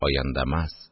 Аяндамас